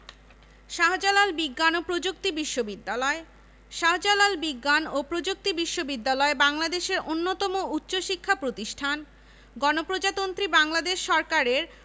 বাংলাপিডিয়া থেকে সংগৃহীত লিখেছেনঃ সাজাহান মিয়া শেষ পরিবর্তনের সময় ২৪ ডিসেম্বর ২০১৪ দুপুর ৩টা ৩৯মিনিট